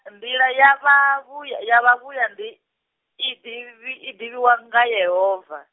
nḓila ya vha vhuy-, ya vha vhuya ndi, i ḓivhi, iḓivhiwa nga Yehova.